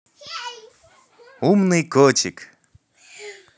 умный котик